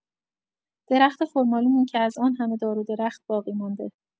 درخت خرمالومان که از آن‌همه دارودرخت باقی‌مانده